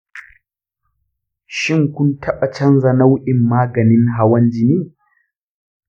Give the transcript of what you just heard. shin kun taɓa canza nau'in maganin hawan jini?